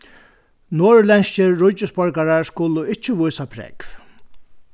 norðurlendskir ríkisborgarar skulu ikki vísa prógv